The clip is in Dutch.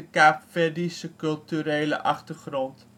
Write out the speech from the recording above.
Kaapverdische culturele achtergrond